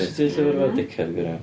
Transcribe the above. Byta llyfr fo y dickhead gwirion.